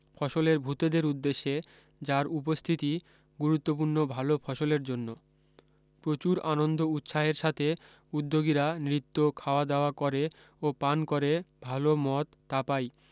ফসলের ভূতেদের উদ্দেশ্যে যার উপস্থিতি গুরুত্বপূর্ণ ভালো ফসলের জন্য প্রচুর আনন্দ উৎসাহের সাথে উদ্যোগীরা নৃত্য খাওয়া দাওয়া করে ও পান করে ভালো মদ তাপাই